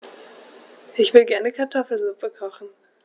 Ich will gerne Kartoffelsuppe kochen.